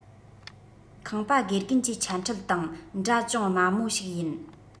ཁང པ དགེ རྒན གྱི འཆད ཁྲིད དང འདྲ ཅུང དམའ མོ ཞིག ཡིན